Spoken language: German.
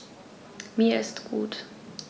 Mir ist gut.